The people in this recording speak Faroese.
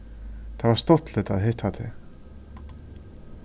tað var stuttligt at hitta teg